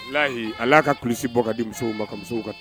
Hi hali a ka kulusi bɔ ka di muso ma ka musow ka